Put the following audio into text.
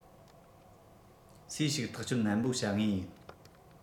སུས ཞིག ཐག གཅོད ནན པོ བྱ ངོས ཡིན